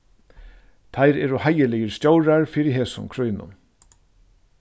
teir eru heiðurligir stjórar fyri hesum krígnum